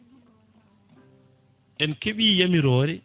en keeɓi yamirore